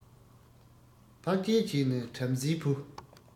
འཕགས རྒྱལ གྱི ནི བྲམ ཟེའི བུ